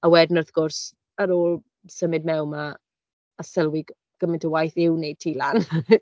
A wedyn wrth gwrs, ar ôl symud mewn ma' a sylwi g- gymaint o waith yw wneud tŷ lan .